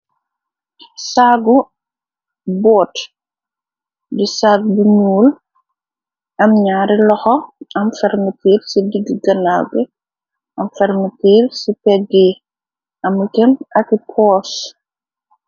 saggu boot di sagg bu ñuul am ñyaari loxo am fermetir ci diggi ganaw bi am fermetiir ci peggi am kem aki pos